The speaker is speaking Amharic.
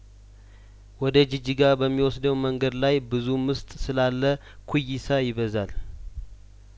ወደ ጂጂጋ በሚወስደው መንገድ ላይ ብዙ ምስጥ ስላለ ኩይሳ ይበዛል